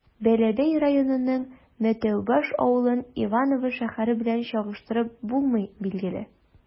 Бәләбәй районының Мәтәүбаш авылын Иваново шәһәре белән чагыштырып булмый, билгеле.